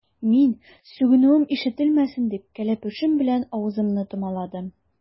Мин, сүгенүем ишетелмәсен дип, кәләпүшем белән авызымны томаладым.